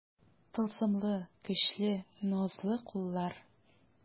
Тылсымлы, көчле, назлы куллар.